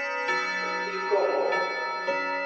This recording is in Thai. ปิดดิสโก้โหมด